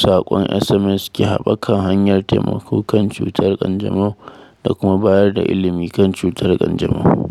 saƙon SMS da ke haɓaka hanyar taimako kan cutar ƙanjamau da kuma bayar da ilimi kan cutar ƙanjamau.